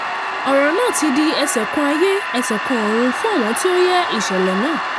Ọ̀rọ̀ náà ti di ẹsẹ̀ kan ayé, ẹsẹ̀ kan ọrun fún àwọn tí ó yé ìṣẹ̀lẹ̀ náà.